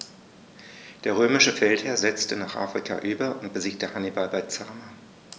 Der römische Feldherr setzte nach Afrika über und besiegte Hannibal bei Zama.